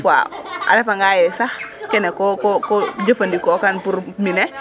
dés fois a refa nga ye sax kene ko ko jëfandiko kan pour mbine